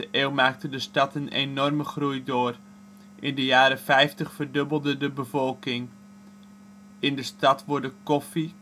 eeuw maakte de stad een enorme groei door — in de jaren ' 50 verdubbelde de bevolking. In de stad worden koffie